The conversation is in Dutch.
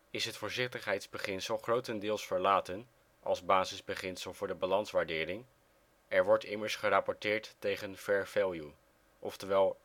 is het voorzichtigheidsbeginsel grotendeels verlaten als basisbeginsel voor de balanswaardering, er wordt immers gerapporteerd tegen " Fair Value " (reële